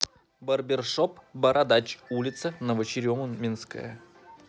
барбершоп бородач улица новочеремушкинская